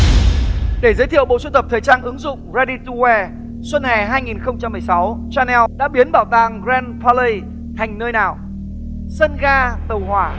dịp để giới thiệu bộ sưu tập thời trang ứng dụng rét đi tu goe xuân hè hai nghìn không trăm mười sáu cha neo đã biến bảo tàng gờ ren pa lây thành nơi nào sân ga tàu hỏa